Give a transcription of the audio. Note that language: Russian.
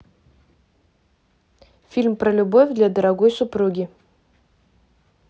фильм про любовь для дорогой супруги